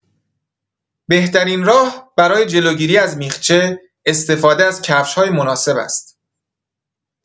بهترین راه برای جلوگیری از میخچه، استفاده از کفش‌های مناسب است.